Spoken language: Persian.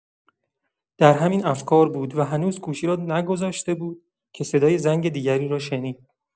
در همین افکار بود و هنوز گوشی را نگذاشته بود که صدای زنگ دیگری را شنید.